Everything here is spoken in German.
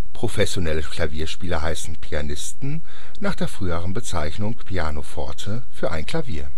Professionelle Klavierspieler heißen Pianisten, nach der früheren Bezeichnung Piano (forte) für ein Klavier